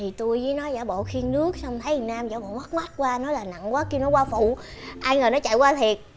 thì tụi với nó giả bộ khiêng nước xong thấy thằng nam hất hất qua qua nói là nặng quá kêu nó qua phụ ai ngờ nó chạy qua thiệt